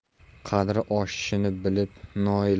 qadri oshishini bilib